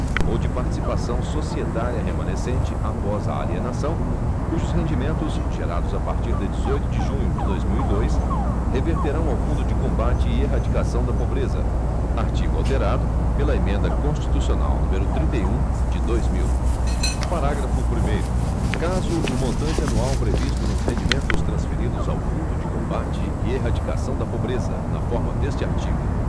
ou de participação societária remanescente após a alienação cujos rendimentos gerados a partir de dezoito de junho de dois mil e dois reverterão ao fundo de combate e erradicação da pobreza artigo alterado pela emenda constitucional número trinta e um de dois mil parágrafo primeiro caso o montante anual previsto nos rendimentos transferidos ao fundo de combate e erradicação da pobreza na forma deste artigo